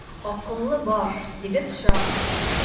Акыллы баш, егет чак.